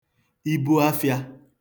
ibu afịā